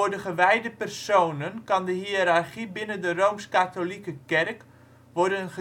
de gewijde personen kan de hiërarchie binnen de Rooms-katholieke kerk worden